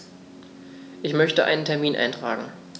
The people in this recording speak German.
Ich möchte einen Termin eintragen.